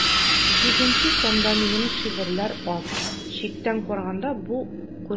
Җиденче санда минем шигырьләр аз, читтән караганда бу күренә.